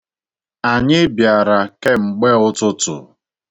Anyị bịara kemgbe ụtụtụ.